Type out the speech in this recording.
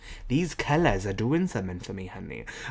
These colours are doing something for me honey.